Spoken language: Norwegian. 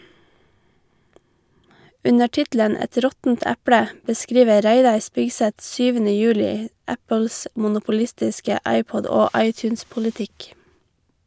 Under tittelen "Et råttent eple" beskriver Reidar Spigseth 7. juli Apples monopolistiske iPod- og iTunes-politikk.